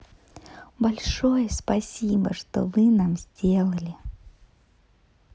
большое спасибо что вы нам сделали